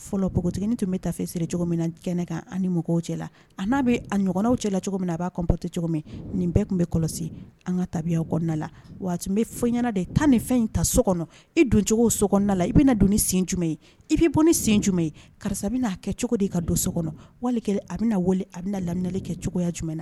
'a bɛ ɲɔgɔnw cɛ cogo min a b'atɛ cogo min nin bɛɛ tun bɛ an ka tabiya la waati bɛ fɔ ɲɛna de tan nin fɛn in ta so kɔnɔ i doncogo o so la i bɛna don sin jumɛn i bɛ bɔ ne sen jumɛn ye karisa bɛ' a kɛ cogo de ka don so kɔnɔ wali a bɛ a bɛna na laminili kɛ cogo jumɛn